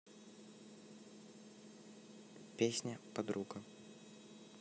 песня подруга